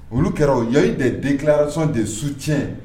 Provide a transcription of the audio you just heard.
Olu kɛra o il y a eu des déclarations de succès